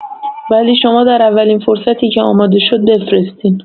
ولی شما در اولین فرصتی که آماده شد بفرستین